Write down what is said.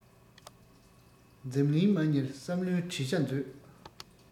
འཛམ གླིང མ བསྙེལ བསམ བློའི བྲིས བྱ མཛོད